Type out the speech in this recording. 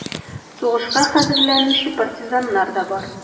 Сугышка хәзерләнүче партизаннар да бар: